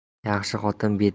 yaxshi xotin betidan